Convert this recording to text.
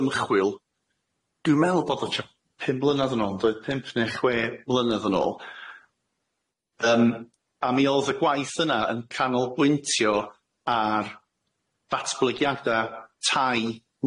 ymchwil dwi'n meddwl bod o tua pum blynedd yn ôl yn doedd pump neu chwe blynedd yn ôl yym a mi oedd y gwaith yna yn canolbwyntio ar ddatblygiada tai